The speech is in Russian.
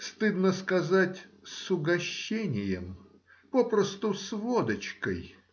стыдно сказать — с угощением, попросту — с водочкой.